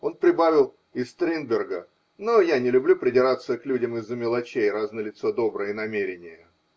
Он прибавил: "и Стринберга" , но я не люблю придираться к людям из-за мелочей, раз налицо добрые намерения.